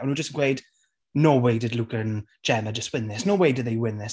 O'n nhw jyst yn gweud, "no way did Luke and Gemma just win this, no way did they win this".